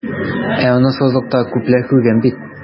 Ә аны сазлыкта күпләр күргән бит.